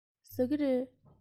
ཟ ཀི རེད